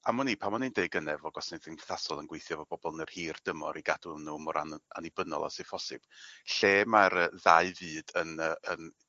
Am wn i pan o'n i'n deu' gynne fo' gwasanaethe cymdeithasol yn gweithio efo bobol yn yr hir dymor i gadw n'w mor an- annibynnol a sy phosib lle ma'r yy ddau fyd yn yy yn